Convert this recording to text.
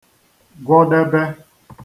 gwọdebe